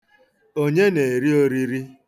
Onye na-eri oriri?